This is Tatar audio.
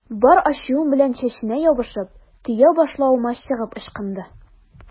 Бар ачуым белән чәченә ябышып, төя башлавыма чыгып ычкынды.